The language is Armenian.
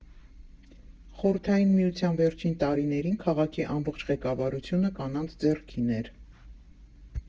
Խորհրդային Միության վերջին տարիներին քաղաքի ամբողջ ղեկավարությունը կանանց ձեռքին էր։